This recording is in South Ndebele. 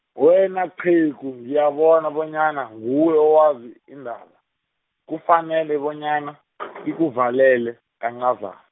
wena qhegu ngiyabona bonyana nguwe, owazi indaba, kufanele bonyana, sikuvalele, kancaza-.